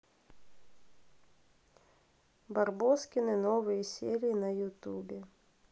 барбоскины новые серии на ютубе